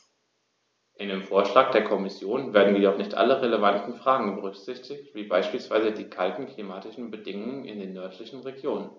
In dem Vorschlag der Kommission werden jedoch nicht alle relevanten Fragen berücksichtigt, wie beispielsweise die kalten klimatischen Bedingungen in den nördlichen Regionen.